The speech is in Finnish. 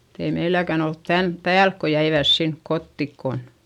mutta ei meilläkään ollut tämän päälle kun jäivät sinne kotiin kun